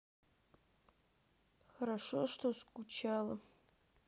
хорошо что скучала